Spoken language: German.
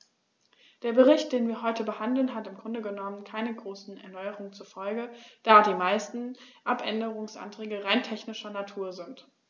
Der Bericht, den wir heute behandeln, hat im Grunde genommen keine großen Erneuerungen zur Folge, da die meisten Abänderungsanträge rein technischer Natur sind.